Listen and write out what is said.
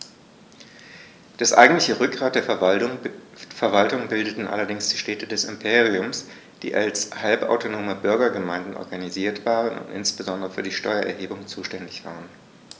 Das eigentliche Rückgrat der Verwaltung bildeten allerdings die Städte des Imperiums, die als halbautonome Bürgergemeinden organisiert waren und insbesondere für die Steuererhebung zuständig waren.